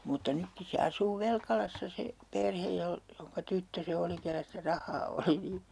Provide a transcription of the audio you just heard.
mutta nytkin se asuu Velkalassa se perhe - jonka tyttö se oli kenellä sitä rahaa oli niin